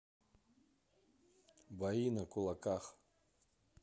бои на кулаках